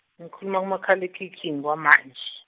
ngikhuluma kumakhalekhikhini kwamanje.